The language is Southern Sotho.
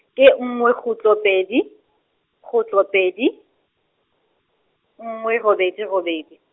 ke nngwe kgutlo pedi, kgutlo pedi, nngwe robedi robedi.